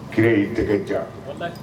Kira y'i tɛgɛ jan, walahi